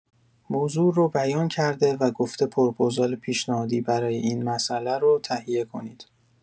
موضوع رو بیان کرده و گفته پروپوزال پیشنهادی برای این مسئله رو تهیه کنید.